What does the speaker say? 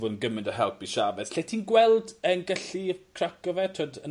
fod yn gyment o help i Chaves. Lle ti'n gweld e'n gallu craco fe t'wod yn